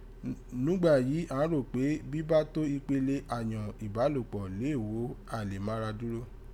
Nùgbà yìí án rò pé bí bá tó ìpele ayọ̀n ìbálòpọ̀ léè wò àìlèmáradúró.